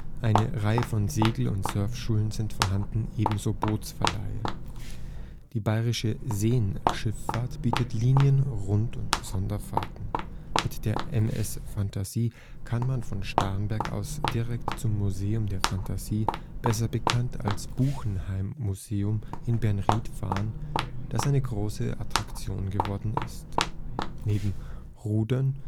Eine Reihe von Segel - und Surfschulen sind vorhanden, ebenso Bootsverleihe. Die Bayerische Seenschifffahrt bietet Linien -, Rund - und Sonderfahrten. Mit der MS Phantasie kann man von Starnberg aus direkt zum Museum der Phantasie, besser bekannt als Buchheim-Museum, in Bernried fahren, das eine große Attraktion geworden ist. Neben Rudern